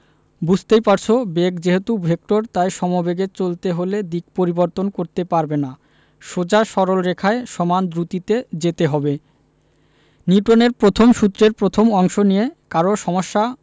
বুঝতেই পারছ বেগ যেহেতু ভেক্টর তাই সমবেগে চলতে হলে দিক পরিবর্তন করতে পারবে না সোজা সরল রেখায় সমান দ্রুতিতে যেতে হবে নিউটনের প্রথম সূত্রের প্রথম অংশ নিয়ে কারো সমস্যা